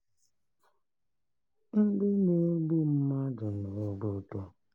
Ndị na-egbu mmadụ n'obodo